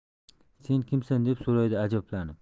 sen kimsan deb so'raydi ajablanib